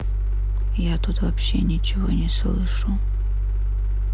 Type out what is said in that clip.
я тут вообще ничего не слышу